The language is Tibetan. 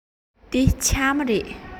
འདི ཕྱགས མ རེད